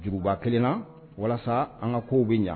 Juguba kelenna walasa an ka kow bɛ ɲɛ